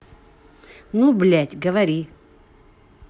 ну блядь говори